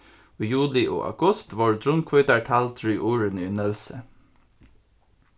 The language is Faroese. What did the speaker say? í juli og august vórðu drunnhvítar taldir í urðini í nólsoy